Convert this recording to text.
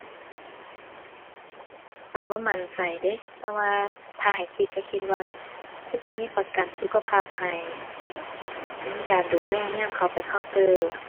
ข้อยบ่มั่นใจเดะแต่ว่าถ้าให้คิดก็คิดว่า คือสิมีประกันสุขภาพให้ สิมีการดูแลยามเขาไปเคาน์เตอร์